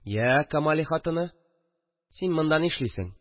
– я, камали хатыны, син монда нишлисең